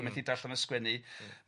a methu darllen a sgwennu... M-hm..